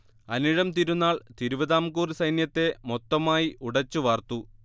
അനിഴം തിരുനാൾ തിരുവിതാംകൂർ സൈന്യത്തെ മൊത്തമായി ഉടച്ചു വാർത്തു